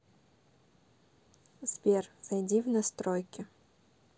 сбер зайди в настройки